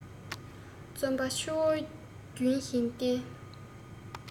བརྩོན པ ཆུ བོའི རྒྱུན བཞིན བསྟེན